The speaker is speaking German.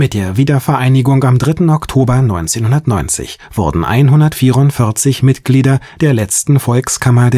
der Wiedervereinigung am 3. Oktober 1990 wurden 144 Mitglieder der letzten Volkskammer